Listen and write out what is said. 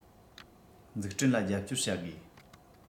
འཛུགས སྐྲུན ལ རྒྱབ སྐྱོར བྱ དགོས